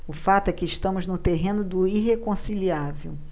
o fato é que estamos no terreno do irreconciliável